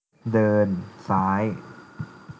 เดินซ้าย